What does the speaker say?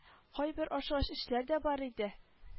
Кайбер ашыгыч эшләр дә бар иде